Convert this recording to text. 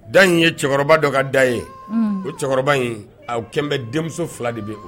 Da in ye cɛkɔrɔba dɔ ka da ye o cɛkɔrɔba in a kɛlenbɛn denmuso fila de bɛ o